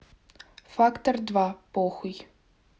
фактор два похуй